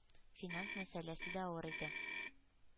Финанс мәсьәләсе дә авыр иде.